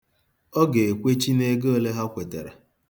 Ọ ga-ekwechi n'ego ole ha kwetara.